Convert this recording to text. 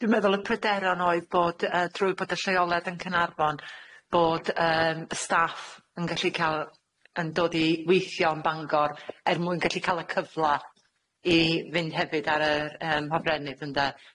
Dwi'n meddwl y pryderon oedd bod yy drwy bod y lleoliad yn Caernarfon, bod yym y staff yn gallu ca'l, yn dod i weithio yn Bangor er mwyn gallu ca'l y cyfla i fynd hefyd ar yr yym hofrennydd ynde?